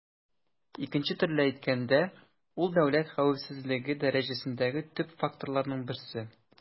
Икенче төрле әйткәндә, ул дәүләт хәвефсезлеге дәрәҗәсендәге төп факторларның берсе.